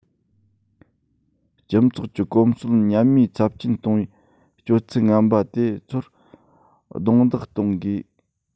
སྤྱི ཚོགས ཀྱི གོམས སྲོལ ཉམས དམས ཚབས ཆེན གཏོང བའི སྤྱོད ཚུལ ངན པ དེ ཚོར རྡུང རྡེག གཏོང དགོས